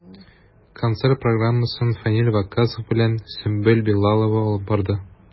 Концерт программасын Фәнил Ваккасов белән Сөмбел Билалова алып барды.